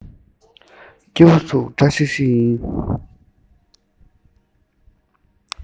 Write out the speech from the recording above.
སྐྱེ བོ སུ འདྲ ཞིག ཡིན